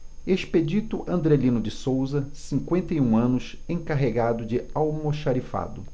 expedito andrelino de souza cinquenta e um anos encarregado de almoxarifado